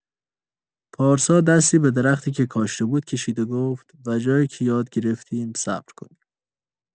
پارسا دستی به درختی که کاشته بود کشید و گفت: «و جایی که یاد گرفتیم صبر کنیم.»